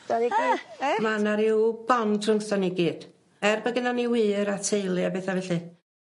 ma' 'na ryw bond rhwngthon ni gyd er bo' gennon ni wŷr a teulu a betha felly.